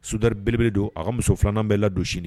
Sudari bele don a ka muso filanan bɛɛ ladon sini